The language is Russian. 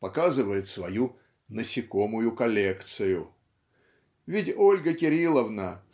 показывает свою "насекомую коллекцию" ведь Ольга Кирилловна